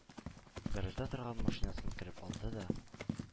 Гаражда торган машинасын кереп алды да